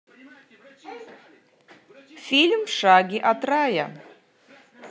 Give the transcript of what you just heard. фильм в шаге от рая